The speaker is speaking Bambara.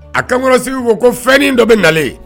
A kakura segu ko ko fɛnin dɔ bɛ nalen